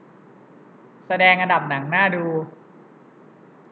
แสดงอันดับหนังน่าดู